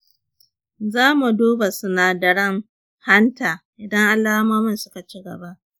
zamu duba sinadaran hanta idan alamomin suka ci gaba.